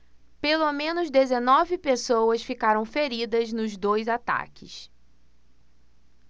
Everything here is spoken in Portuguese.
pelo menos dezenove pessoas ficaram feridas nos dois ataques